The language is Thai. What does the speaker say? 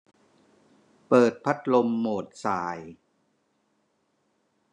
เปิดพัดลมโหมดส่าย